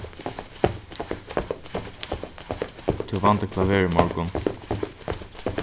tú vandi klaver í morgun